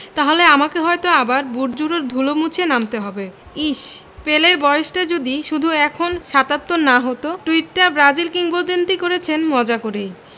তাহলে আমাকে হয়তো আবার বুটজোড়ার ধুলো মুছে নামতে হবে ইশ্ পেলের বয়সটা যদি শুধু এখন ৭৭ না হতো টুইটটা ব্রাজিল কিংবদন্তি করেছেন মজা করেই